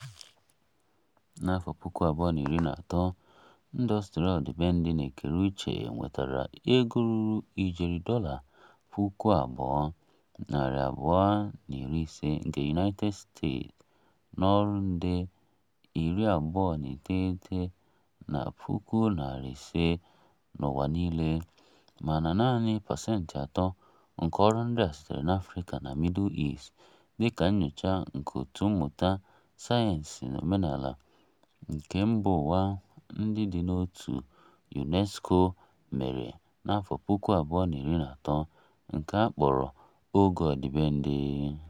Na 2013, ndọstrị odịbendị na ekere uche (CCI) nwetara ego ruru ijeri dọla 2,250 nke United States na ọrụ nde 29.5 n'ụwa niile [mana] naanị pasent 3 nke ọrụ ndị a sitere na Afrịka na Middle East, dịka nnyocha nke Òtù Mmụta, Sayensị na Omenala nke Mba Ndị Dị n'Otu (UNESCO) mere na 2013 nke akpọrọ "Oge Ọdịbendị."